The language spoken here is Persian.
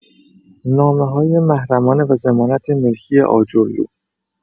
نامه‌های محرمانه و ضمانت ملکی آجورلو؛